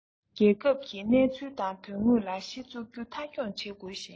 རྒྱལ ཁབ ཀྱི གནས ཚུལ དང དོན དངོས ལ གཞི ཚུགས རྒྱུ མཐའ འཁྱོངས བྱེད དགོས ཤིང